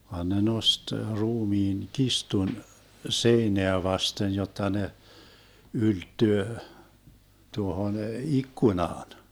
vaan ne nosti ruumiin kirstun seinää vasten jotta ne ylettyy tuohon ikkunaan